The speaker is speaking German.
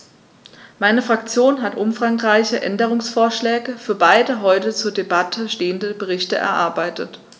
Meine Fraktion hat umfangreiche Änderungsvorschläge für beide heute zur Debatte stehenden Berichte erarbeitet.